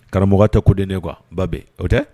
Karamɔgɔ tɛ koden ne kuwa bapi o tɛ